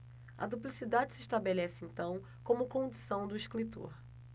a duplicidade se estabelece então como condição do escritor